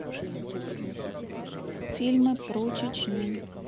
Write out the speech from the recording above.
фильмы про чечню